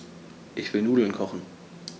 Ich will Nudeln kochen.